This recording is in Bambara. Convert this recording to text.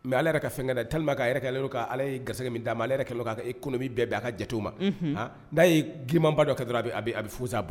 Mɛ ala yɛrɛ ka fɛnkɛ tan'a yɛrɛ ala ye garisɛ min d'a ale yɛrɛ' e kɔnɔbi bɛɛ a ka jatew ma n'a yeimaba dɔ ka dɔrɔn a bɛ fusa bɔ